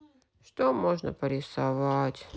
что можно порисовать